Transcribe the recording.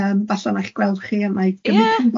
yym falla 'na i'ch gweld chi a 'na i